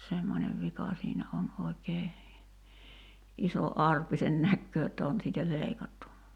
semmoinen vika siinä on oikein iso arpi sen näkee jotta on siitä leikattu